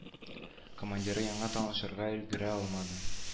Командиры яңа танышырга өлгерә алмады